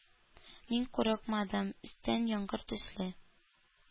Мин курыкмадым өстән яңгыр төсле